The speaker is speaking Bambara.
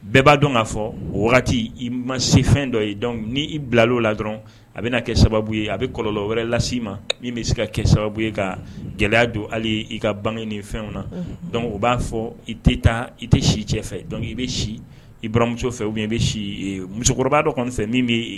Bɛɛ b'a dɔn k'a fɔ o i ma se fɛn dɔ ye dɔnku ni' bila o la dɔrɔn a bɛ na kɛ sababu ye a bɛ kɔlɔlɔnlɔ wɛrɛ lase ma min bɛ se ka kɛ sababu ye ka gɛlɛya don hali ye i ka bange ni fɛnw na dɔnkuc o b'a fɔ i tɛ taa i tɛ si cɛ fɛ dɔn i bɛ si i baramuso fɛ o bɛ i bɛ si musokɔrɔbakɔrɔba dɔ fɛ min bɛ yen